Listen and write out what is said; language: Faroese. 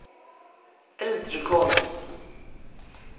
eldri kona